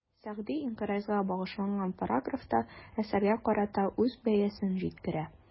Сәгъди «инкыйраз»га багышланган параграфта, әсәргә карата үз бәясен җиткерә.